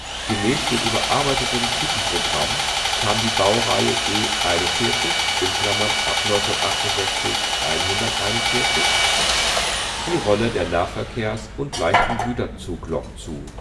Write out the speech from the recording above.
Gemäß dem überarbeiteten Typenprogramm kam der Baureihe E 41 (ab 1968: 141) die Rolle der Nahverkehrs - und leichten Güterzuglok zu